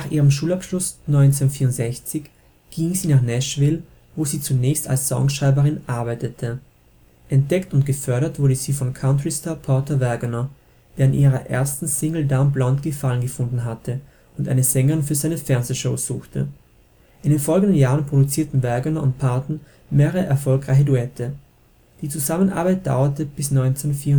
ihrem Schulabschluss 1964 ging sie nach Nashville, wo sie zunächst als Songschreiberin arbeitete. Entdeckt und gefördert wurde sie von Countrystar Porter Wagoner, der an ihrer ersten Single Dumb Blonde Gefallen gefunden hatte und eine Sängerin für seine Fernsehshow suchte. In den folgenden Jahren produzierten Wagoner und Parton mehrere erfolgreiche Duette. Die Zusammenarbeit dauerte bis 1974